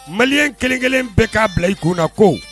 Mali kelenkelen bɛ k'a bila i kunna ko